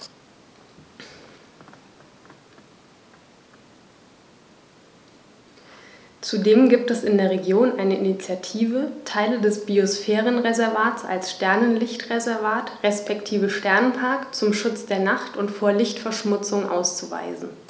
Zudem gibt es in der Region eine Initiative, Teile des Biosphärenreservats als Sternenlicht-Reservat respektive Sternenpark zum Schutz der Nacht und vor Lichtverschmutzung auszuweisen.